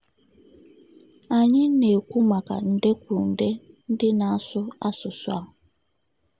Anyị na-ekwu maka nde kwuru nde ndị na-asụ asụsụ a.